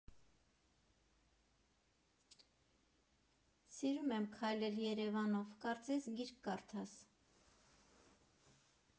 Սիրում եմ քայլել Երևանով, կարծես գիրք կարդաս։